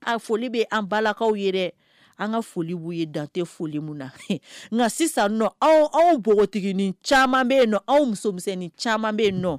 A foli bɛ an balakaw yɛrɛ dɛ an ka foli b'u ye dante foli na nka sisan aw anw npogotigi ni caman bɛ yen nɔ aw musomisɛnnin caman bɛ yen nɔ